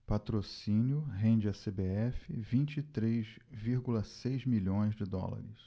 patrocínio rende à cbf vinte e três vírgula seis milhões de dólares